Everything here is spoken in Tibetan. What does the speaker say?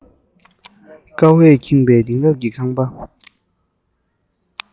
ཀ བས ཁེངས པས དེང རབས ཀྱི ཁང པ